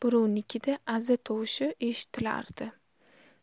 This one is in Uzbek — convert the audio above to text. birovnikida aza tovushi eshitilardi